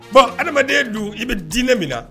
Bon adamadenya don i bɛ diinɛ min na